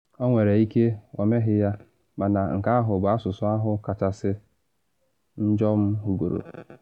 Ọ nwere ike ọ meghị ya, mana nke ahụ bụ asụsụ ahụ kachasị njọ m hụgoro.”